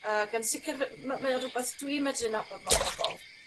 Ag yn sicyr f- m' ma' o'n rywbath dwi medru nabod mewn pobol.